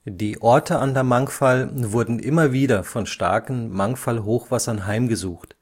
Die Orte an der Mangfall wurden immer wieder von starken Mangfallhochwassern heimgesucht